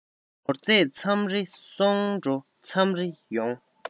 ནོར རྗས མཚམས རེ སོང འགྲོ མཚམས རེ ཡོང